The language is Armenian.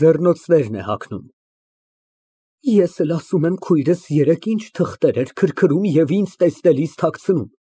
Ձեռնոցներն է հագնում)։ Ես էլ ասում եմ քույրս երեկ ինչ թղթեր էր քրքրում և ինձ տեսնելիս թաքցնում։